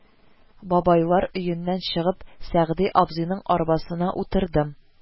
Бабайлар өеннән чыгып, Сәгъди абзыйның арбасына утырдым